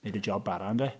Wneud y job bara, ynde.